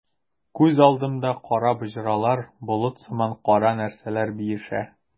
Күз алдымда кара боҗралар, болыт сыман кара нәрсәләр биешә.